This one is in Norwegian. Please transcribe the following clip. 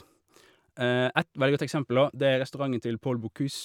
Ett veldig godt eksempel, da, det er restauranten til Paul Bocuse.